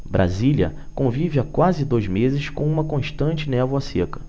brasília convive há quase dois meses com uma constante névoa seca